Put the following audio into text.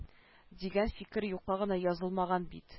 Дигән фикере юкка гына язылмаган бит